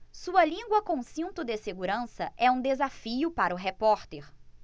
sua língua com cinto de segurança é um desafio para o repórter